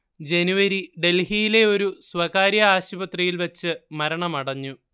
ജനുവരി ഡൽഹിയിലെ ഒരു സ്വകാര്യ ആശുപത്രിയിൽ വച്ച് മരണമടഞ്ഞു